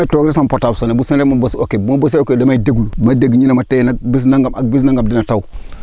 damay toog rek sama portable sonné bu sonné ma bës ok bu ma bësee ok damay déglu ma dégg ñu ne ma tey nag bés nangam ak bés nangam dina taw